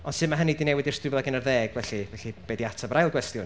Ond sut ma' hynny 'di newid ers dwy fil ac unarddeg felly, felly be 'di ateb yr ail gwestiwn?